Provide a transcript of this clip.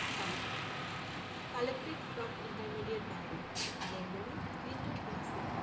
স্বাক্ষর Collected from Intermediate Bangla Bengali Clinton B Seely